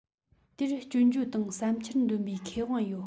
དེར སྐྱོན བརྗོད དང བསམ འཆར འདོན པའི ཁེ དབང ཡོད